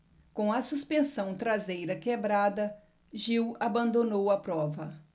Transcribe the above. com a suspensão traseira quebrada gil abandonou a prova